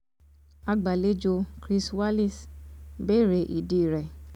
Agbàlejò, Chris Wallace bèèrè ìdí rẹ̀